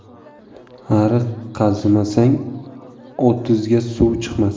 ariq qazimasang otizga suv chiqmas